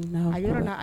Yɔrɔ